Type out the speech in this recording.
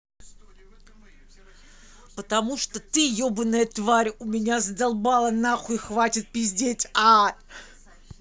потому что ты ебаная тварь у меня заебала нахуй хватит пиздеть а